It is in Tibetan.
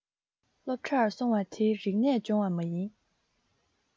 སློབ གྲྭར སོང བ དེ རིག གནས སྦྱོང བ མ ཡིན